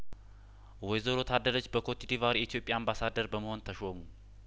ወይዘሮ ታደለች በኮትዲቫር የኢትዮጵያ አምባሳደር በመሆን ተሾሙ